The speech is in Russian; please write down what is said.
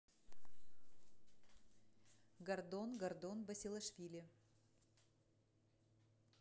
гордон гордон басилашвили